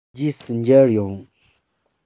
རྗེས སུ མཇལ ཡོང